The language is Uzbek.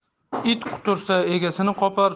it qutursa egasini qopar